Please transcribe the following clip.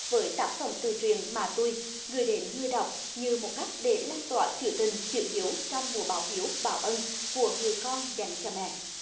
với tác phẩm từ truyện mà tui gửi đến người đọc như một cách để lan tỏa chữ tình chữ hiếu trong mùa báo hiếu báo ân của người con dành cho mẹ